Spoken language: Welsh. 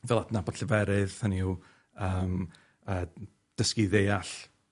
fel adnabod llyferydd, hynny yw yym yy dysgu i ddeall